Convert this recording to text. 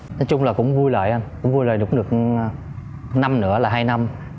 nói chung là cũng vui lại anh vui lại được được năm nữa là hai năm